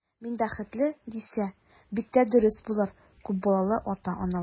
Мин бәхетле, дисә, бик тә дөрес булыр, күп балалы ата-аналар.